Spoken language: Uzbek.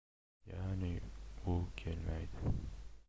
ya'ni u kelmaydi